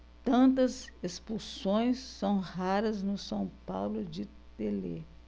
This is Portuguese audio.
tantas expulsões são raras no são paulo de telê